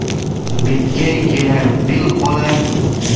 betkay ketar bel qolar